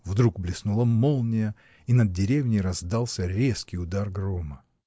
Вдруг блеснула молния, и над деревней раздался резкий удар грома.